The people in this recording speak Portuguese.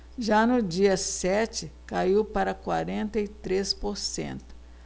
já no dia sete caiu para quarenta e três por cento